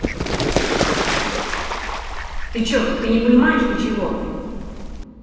ты че ты не понимаешь ничего